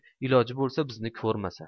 iloji bo'lsa bizni ko'rmasa